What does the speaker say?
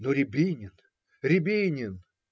Но Рябинин, Рябинин!